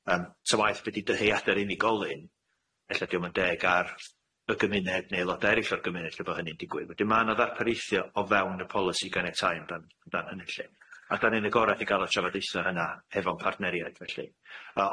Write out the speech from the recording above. Yym ta waeth be' di dyheade'r unigolyn ella diom yn deg ar y gymuned ne eloda eryll o'r gymuned lle bo' hynny'n digwydd wedyn ma' na ddarparithio o fewn y polisi ganiatáu amdan amdan hynny lly a dan ni'n agorach i ga'l y trafodaethe yna hefo'n partneriaid felly yy